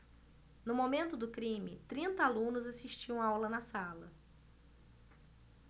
no momento do crime trinta alunos assistiam aula na sala